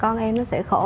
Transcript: con em nó sẽ khổ